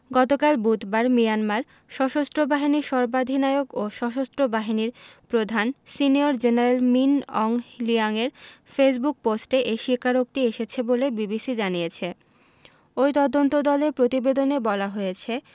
গতকাল বুধবার মিয়ানমার সশস্ত্র বাহিনীর সর্বাধিনায়ক ও সশস্ত্র বাহিনীর প্রধান সিনিয়র জেনারেল মিন অং হ্লিয়াংয়ের ফেসবুক পোস্টে এই স্বীকারোক্তি এসেছে বলে বিবিসি জানিয়েছে ওই তদন্তদলের প্রতিবেদনে বলা হয়েছে